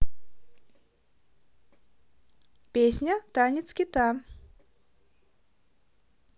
песня танец кита